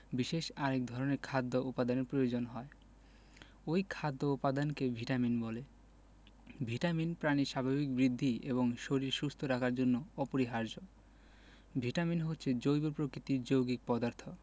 বিশেষ আরেক ধরনের খাদ্য উপাদানের প্রয়োজন হয় ঐ খাদ্য উপাদানকে ভিটামিন বলে ভিটামিন প্রাণীর স্বাভাবিক বৃদ্ধি এবং শরীর সুস্থ রাখার জন্য অপরিহার্য ভিটামিন হচ্ছে জৈব প্রকৃতির যৌগিক পদার্থ